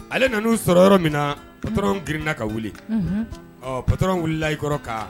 Ale nan sɔrɔ yɔrɔ min na ptraw grinna ka wuli ɔ ptoraw wulila layikɔrɔ kan